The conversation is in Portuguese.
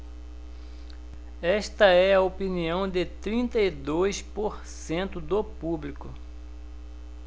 esta é a opinião de trinta e dois por cento do público